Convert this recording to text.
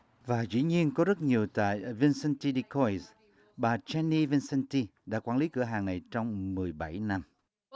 và dĩ nhiên có rất nhiều tại ờ vin sin ti đi coi bà chen ni vơ sân ti đã quản lý cửa hàng này trong mười bảy năm